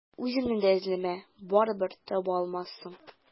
Үземне дә эзләмә, барыбер таба алмассың.